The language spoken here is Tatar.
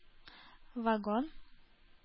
Вагон